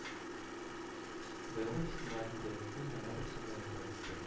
Быелгы фестиваль иде, ул ноябрь көннәрендә үтте